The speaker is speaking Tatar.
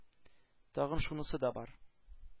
Тагын шунысы да бар: